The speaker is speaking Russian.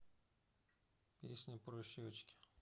песня про щечки